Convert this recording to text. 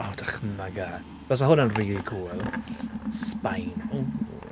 O dychmyga. Byse hwnna'n rili cwl. Sbaen ww!